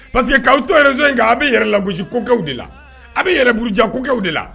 Parce que k'aw to réseau in kan aw bɛ yɛrɛ lagosi ko kɛw de la, aw bɛ yɛrɛɛ buruja ko kɛw de la.